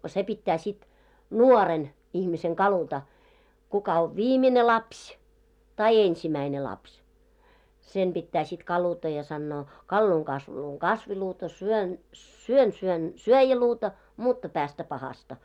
se pitää sitten nuoren ihmisen kaluta kuka on viimeinen lapsi tai ensimmäinen lapsi sen pitää sitten kaluta ja sanoa kaluan kasvuluun kasviluuta syön syön syön syöjäluuta mutta päästä pahasta